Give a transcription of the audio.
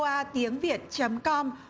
a tiếng việt chấm com